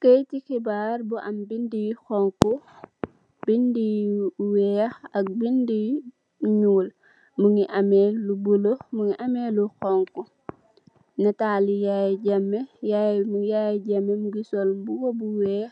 Keyete hebarr bu am bede yu xonxo bede yu weex ak bede yu nuul muge ameh lu bulo muge ameh lu xonxo natale yaya jammeh yaya jammeh muge sol muba bu weex